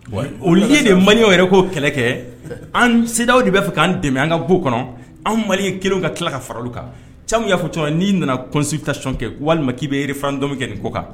Au lieu que Maliɲɛnw yɛrɛ de k'o kɛlɛkɛ an C D E A O b'a fɛ k'an dɛmɛ an ka bɔ o kɔnɔ, anw Maliɲɛn kelenw ka tila ka far'o kan Cam y'a fɔ cogo min na n'i nana k'i bɛ consultation kɛ walima k'i bɛ référendum kɛ nin ko kan